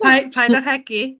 Paid, paid â rhegi.